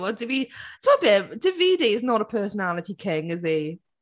A oedd Davi- timod be, Davide is not a personality king, is he?